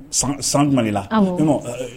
Santuma ne la yen